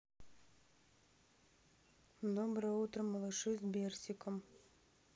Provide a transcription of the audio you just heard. доброе утро малыши с берсиком